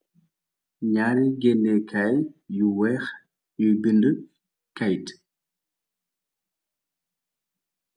naari géndékaay yu wéex yuy bind kayt